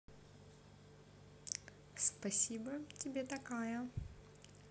спасибо тебе такая